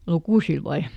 lukusilla vai